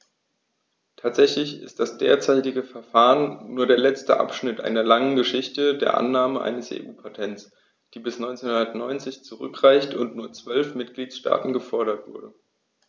Tatsächlich ist das derzeitige Verfahren nur der letzte Abschnitt einer langen Geschichte der Annahme eines EU-Patents, die bis 1990 zurückreicht und nur von zwölf Mitgliedstaaten gefordert wurde.